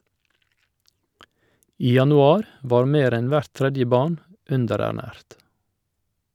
I januar var mer enn hvert tredje barn underernært.